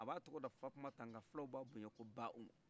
a ba tɔgɔda fatumata nka filaw b'a boɲan ko ba umu